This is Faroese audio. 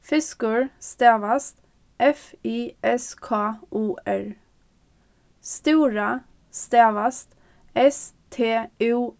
fiskur stavast f i s k u r stúra stavast s t ú